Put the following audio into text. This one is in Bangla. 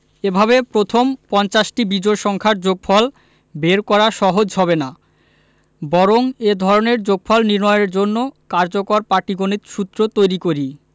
এভাবে প্রথম পঞ্চাশটি বিজোড় সংখ্যার যোগফল বের করা সহজ হবে না বরং এ ধরনের যোগফল নির্ণয়ের জন্য কার্যকর পাটিগণিত সূত্র তৈরি করি